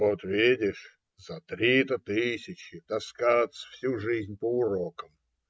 - Вот видишь: за три-то тысячи таскаться всю жизнь по урокам!